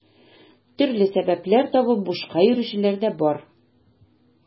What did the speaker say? Төрле сәбәпләр табып бушка йөрүчеләр дә бар.